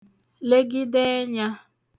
legide ẹnyā